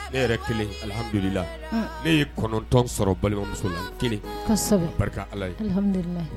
Ne yɛrɛ kelen alhamdulila . Un. Ne ye kɔnɔntɔn sɔrɔ balimamuso la, n kelen. Koɛsɛbɛ! A barika ala ye. Alhamdulilahi .